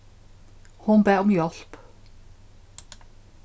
hon bað um hjálp